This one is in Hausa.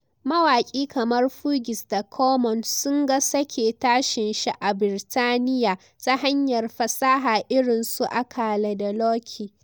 Mawaki kamar Fugees da Common sun ga sake tashin shi a Birtaniya ta hanyar fasaha irin su Akala da LowKey.